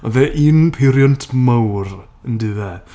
Ma' fe'n un peiriant mawr, ondife?